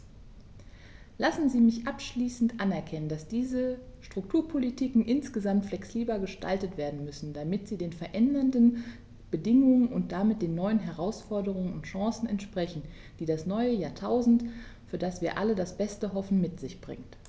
Lassen Sie mich abschließend anmerken, dass die Strukturpolitiken insgesamt flexibler gestaltet werden müssen, damit sie den veränderten Bedingungen und damit den neuen Herausforderungen und Chancen entsprechen, die das neue Jahrtausend, für das wir alle das Beste hoffen, mit sich bringt.